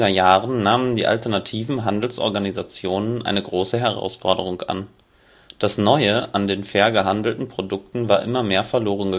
Jahren nahmen die alternativen Handelsorganisationen eine große Herausforderung an: Das „ Neue “an den fair gehandelten Produkten war immer mehr verloren